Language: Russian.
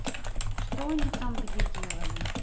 что они там где делали